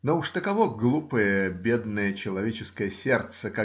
Но уж таково глупое, бедное человеческое сердце.